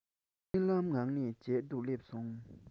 རྨི ལམ ངང ནས མཇལ དུས སླེབས སོང